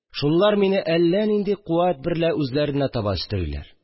Шунлар мине әллә нинди куәт берлә үзләренә таба өстериләр